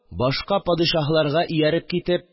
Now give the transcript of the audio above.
Башка падишаһларга ияреп китеп